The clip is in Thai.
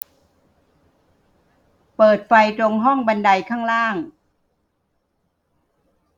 เปิดไฟตรงห้องบันไดข้างล่าง